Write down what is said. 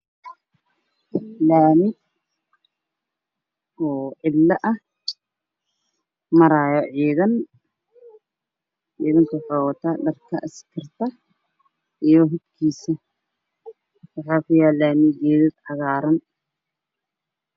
Laami oo cidlo ah maraayo ciidan ciidanka wuxu wataa dharka skarta iyo hubkiisa waxaa ku yaalo geedo cagaaran